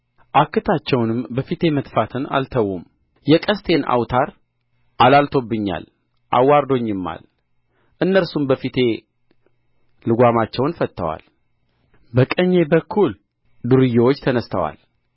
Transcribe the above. አክታቸውንም በፊቴ መትፋትን አልተዉም የቀስቴን አውታር አላልቶብኛል አዋርዶኝማል እነርሱም በፊቴ ልጓማቸውን ፈትተዋል በቀኜ በኩል ዱርዬዎች ተነሥተዋል